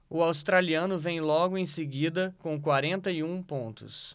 o australiano vem logo em seguida com quarenta e um pontos